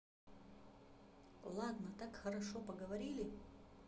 ладно так хорошо поговорили